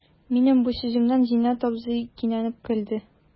Минем бу сүземнән Зиннәт абзый кинәнеп көлде.